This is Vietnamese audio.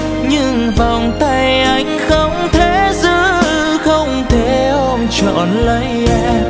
nhưng vòng tay anh không thể giữ không thể ôm trọn lấy em